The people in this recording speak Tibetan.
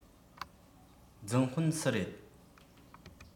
འཛིན དཔོན སུ རེད